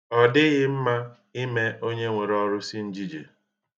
Ọ dighi mma ime onye nwere ọrụsị njije